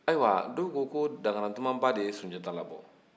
ayiwa dow ko ko dankaratuma ba de ye sunjata labɔ